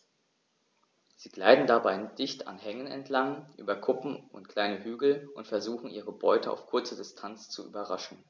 Sie gleiten dabei dicht an Hängen entlang, über Kuppen und kleine Hügel und versuchen ihre Beute auf kurze Distanz zu überraschen.